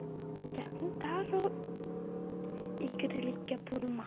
gapni darrov egrilikka burma